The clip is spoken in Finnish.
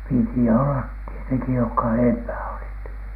piti olla tietenkin jotka edempää olivat